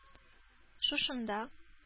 Шушында